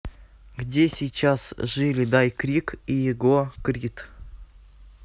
где сейчас жили дай крик и его крид